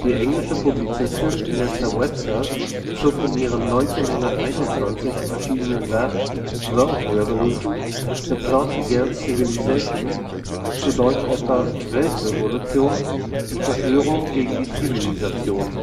englische Publizistin Nesta Webster zog in ihrem 1921 erschienenen Werk World Revolution. The Plot against Civilization (zu dt. etwa: „ Weltrevolution. Die Verschwörung gegen die Zivilisation